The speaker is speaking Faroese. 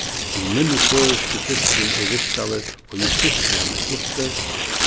jú minni føroyski fiskurin er virkaður og jú styttri hann er fluttur